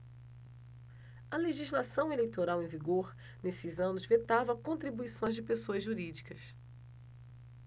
a legislação eleitoral em vigor nesses anos vetava contribuições de pessoas jurídicas